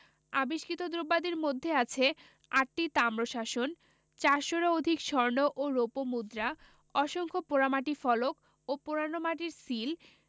আবিষ্কৃত দ্রব্যাদির মধ্যে আছে আটটি তাম্রশাসন চারশরও অধিক স্বর্ণ ও রৌপ্য মুদ্রা অসংখ্য পোড়ামাটিফলক ও পোড়ানো মাটির সিল